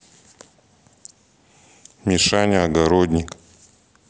мишаня огородник